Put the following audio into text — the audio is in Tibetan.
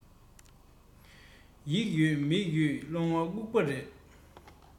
ཡིག ཡོད མིག ཡོད ལོང བ སྐུགས པ རེད